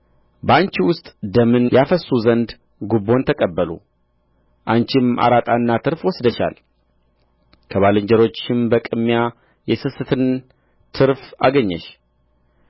በአንቺ ውስጥ ደምን ያፈስሱ ዘንድ ጉቦን ተቀበሉ አንቺም አራጣና ትርፍ ወስደሻል ከባልንጀሮችሽም በቅሚያ የስስትን ትርፍ አገኘሽ